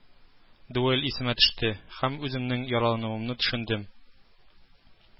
Дуэль исемә төште һәм үземнең яралануымны төшендем